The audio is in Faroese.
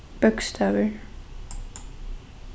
bókstavir